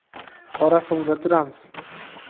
qorasuvda turamiz